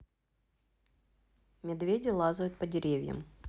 медведи лазают по деревьям